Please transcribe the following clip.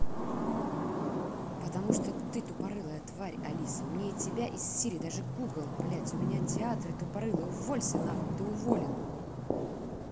потому что ты тупорылая тварь алиса умнее тебя из сири даже google блять у меня театры тупорылая уволься нахуй ты уволен